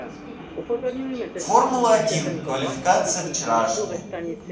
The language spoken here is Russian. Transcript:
формула один квалификация вчерашняя